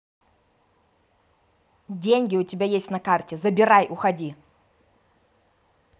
деньги у тебя есть на карте забирай уходи